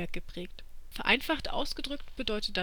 geprägt. Vereinfacht ausgedrückt bedeutet